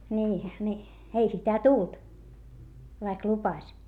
niin niin ei sitä tullut vaikka lupasi